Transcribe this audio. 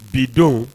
Bidon